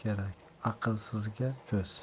kerak aqlsizga ko'z